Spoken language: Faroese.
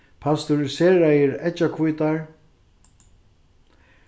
pasteuriseraðir eggjahvítar